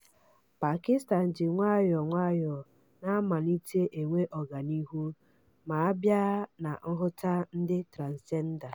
Pakistan ji nwayọọ nwayọọ na-amalite enwe ọganihu ma a bịa na nhụta ndị transịjenda.